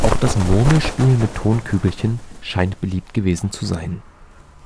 Auch das Murmelspiel mit Tonkügelchen scheint beliebt gewesen zu sein.